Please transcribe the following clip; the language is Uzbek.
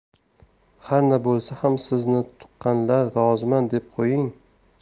harna bo'lsa ham sizni tuqqanlar roziman deb qo'ying